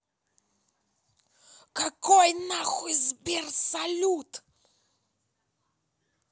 какой нахуй сбер салют